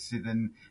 sydd yn